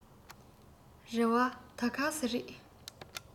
རེ བ ད ག ཟེ རེད